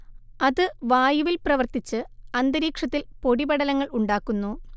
അത് വായുവിൽ പ്രവർത്തിച്ച് അന്തരീക്ഷത്തിൽ പൊടിപടലങ്ങൾ ഉണ്ടാക്കുന്നു